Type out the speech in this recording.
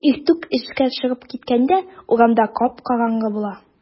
Иртүк эшкә чыгып киткәндә урамда кап-караңгы була.